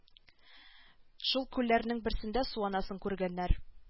Шул күлләрнең берсендә су анасын күргәннәр